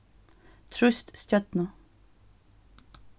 trýst stjørnu